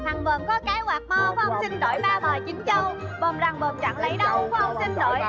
thằng bờm có cái quạt mo phú ông xin đổi ba bò chín trâu bờm rằng bờm chẳng lấy lấy đâu phú ông xin đổi